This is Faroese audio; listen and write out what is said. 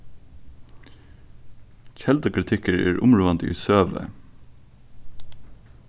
keldukritikkur er umráðandi í søgu